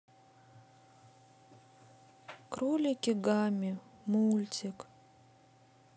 кролики гамми мультик